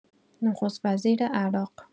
نخست‌وزیر عراق